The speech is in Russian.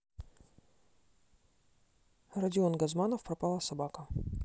родион газманов пропала собака